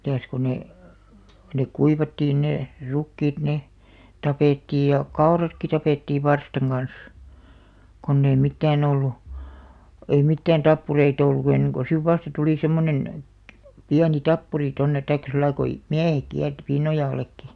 mitäs kun ne ne kuivattiin ne rukiit ne tapettiin ja kauratkin tapettiin varstan kanssa kun ei mitään ollut ei mitään tappureita ollut ennen kuin sitten vasta tuli semmoinen pieni tappuri tuonne tai sillä lailla kun miehet kiersi Pinnojallekin